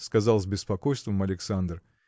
– сказал с беспокойством Александр.